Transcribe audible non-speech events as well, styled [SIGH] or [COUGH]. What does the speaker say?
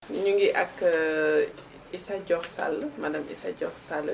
ñu ngi ak [HESITATION] Issa Dior Sall madame Issa Dior Sall